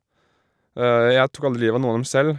Jeg tok aldri liv av noen av dem selv.